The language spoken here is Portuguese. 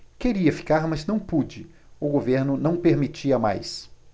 queria ficar mas não pude o governo não permitia mais